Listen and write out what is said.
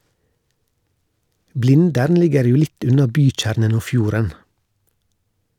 Blindern ligger jo litt unna bykjernen og fjorden.